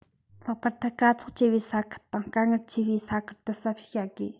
ལྷག པར དུ དཀའ ཚེགས ཆེ བའི ས ཁུལ དང དཀའ ངལ ཆེ བའི ས ཁུལ དུ ཟབ ཞུགས བྱ དགོས